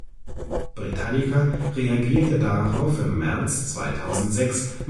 Britannica reagierte darauf im März 2006